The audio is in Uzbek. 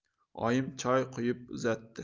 oyim choy quyib uzatdi